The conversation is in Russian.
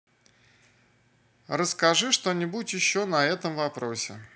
расскажи что нибудь еще на этом вопросе